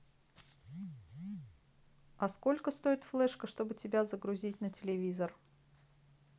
а сколько стоит флешка чтобы тебя загрузить на телевизор